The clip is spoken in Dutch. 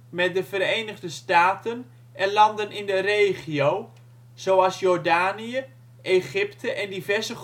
met de Verenigde Staten en landen in de regio, zoals Jordanië, Egypte en diverse